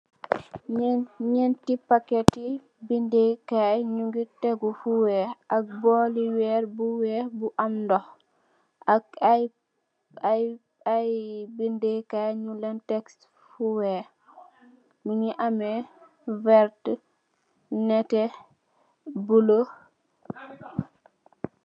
Nyenti paketi bindee kaay, nyungi tegu fu weeh, ak booli weer bu weeh bu am ndoh, ak aye bindee kaay nyuleen tek fu weeh, mungi ame vert, neteh, bulu.